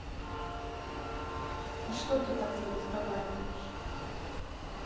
а что ты так не разговариваешь